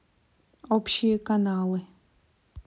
общие каналы